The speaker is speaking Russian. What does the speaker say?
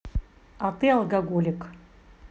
а ты алкоголик